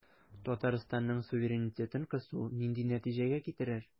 Татарстанның суверенитетын кысу нинди нәтиҗәгә китерер?